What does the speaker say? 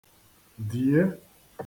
dìye